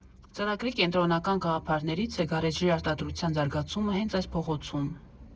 Ծրագրի կենտրոնական գաղափարներից է գարեջրի արտադրության զարգացումը հենց այս փողոցում։